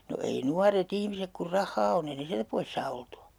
no ei nuoret ihmiset kun rahaa on ei ne sieltä pois saa oltua